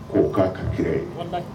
Ko k'a ka kira ye